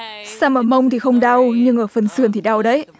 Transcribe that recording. xăm ở mông thì không đau nhưng ở phần sườn thì đau đấy